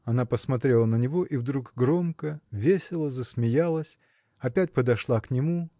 Она посмотрела на него и вдруг громко весело засмеялась опять подошла к нему